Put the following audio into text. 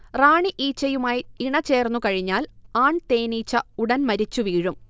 റാണിഈച്ചയുമായി ഇണചേർന്നുകഴിഞ്ഞാൽ ആൺ തേനീച്ച ഉടൻ മരിച്ചുവീഴും